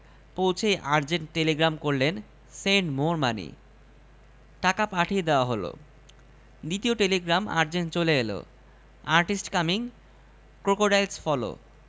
পৌছেই urgent telegram করলেন send more money Dhaka পাঠিয়ে দেয়া হল দ্বিতীয় টেলিগ্রাম আজেন্ট চলে এল আর্টিস্ট কামিং ক্রোকোডাইলস ফলো